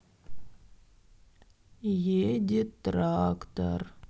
едет трактор